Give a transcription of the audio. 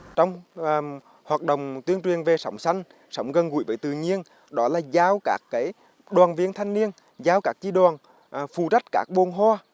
trong và hoạt động tuyên truyền về sống xanh sống gần gũi với tự nhiên đó là giao các cái đoàn viên thanh niên giao các chi đoàn phụ trách các bồn hoa